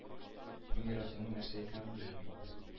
Мин яратуның нәрсә икәнен белмим